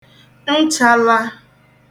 nchālā